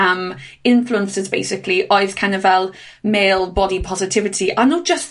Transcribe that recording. am influencers basically oedd kine of fel male body positivity, a nw' jyst